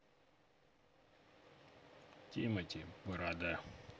тимати борода